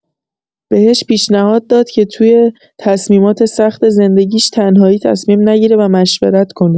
بهش پیشنهاد داد که توی تصمیمات سخت زندگیش تنهایی تصمیم نگیره و مشورت کنه.